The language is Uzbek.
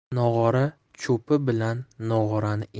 nog'ora cho'pi bilan nog'orani